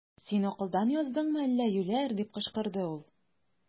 Син акылдан яздыңмы әллә, юләр! - дип кычкырды ул.